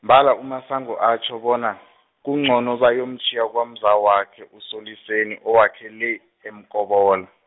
mbala uMasango atjho bona , kuncono bayomtjhiya kwamzawakhe uSoLiseni owakhe le, eMkobola.